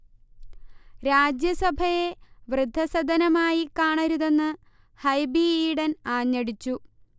രാജ്യസഭയെ വൃദ്ധസദനമായി കാണരുതെന്ന് ഹൈബി ഈഡൻ ആഞ്ഞടിച്ചു